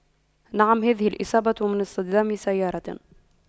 نعم هذه الاصابة من اصطدام سيارة